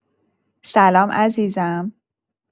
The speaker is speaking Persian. سلام عزیزم.